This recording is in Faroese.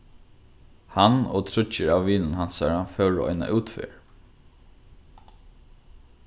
hann og tríggir av vinum hansara fóru eina útferð